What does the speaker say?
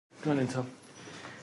Fan 'yn t'wel'.